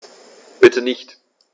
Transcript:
Bitte nicht.